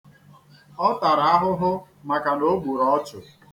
Ọ tara ahụhụ maka na o gburu ọchụ.